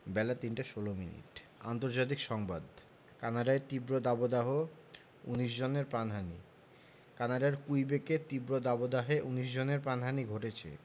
বেলা ৩টা ১৬ মিনিট আন্তর্জাতিক সংবাদ কানাডায় তীব্র দাবদাহ ১৯ জনের প্রাণহানি কানাডার কুইবেকে তীব্র দাবদাহে ১৯ জনের প্রাণহানি ঘটেছে